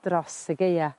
dros y Gaea.